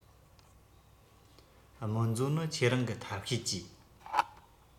རྨོན མཛོ ནི ཁྱེད རང གི ཐབས ཤེས གྱིས